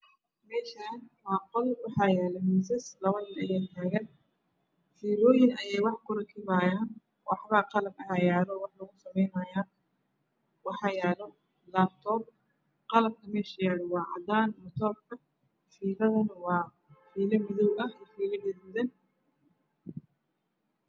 Meeshaan waa qol waxaa yaalo miisas labo nin ayaa taagan fiilooyin ayay wax ku rakibahayaan qalab ayaa yaalo oo wax lugu sameynaayo waxaa yaalo laabtoob qalabka meesha yaala waa cadaan laabtoobka. Fiiladana waa fiilo madow iyo gaduud.